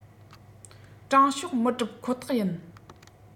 དྲང ཕྱོགས མི གྲུབ ཁོ ཐག ཡིན